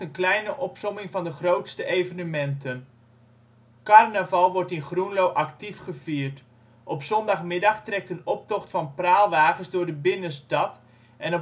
kleine opsomming van de grootste evenementen: Carnaval wordt in Groenlo actief gevierd. Op zondagmiddag trekt een optocht van praalwagens door de binnenstad en